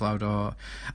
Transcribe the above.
...lawr o